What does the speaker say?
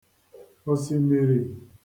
òsimìrì